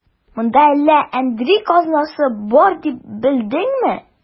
Монда әллә әндри казнасы бар дип белдеңме?